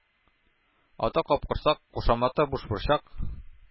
Аты — Капкорсак, кушаматы Бушборчак